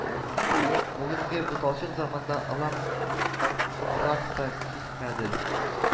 Бүгенге буталчык заманда алар артыбрак та китмәде